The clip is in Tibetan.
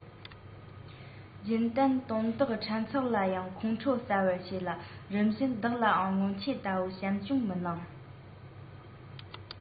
རྒྱུན གཏན དོན དག ཕྲན ཚེགས ལ ཡང ཁོང ཁྲོ ཟ བར བྱེད ལ རིམ བཞིན བདག ལའང སྔོན ཆད ལྟ བུའི བྱམས སྐྱོང མི གནང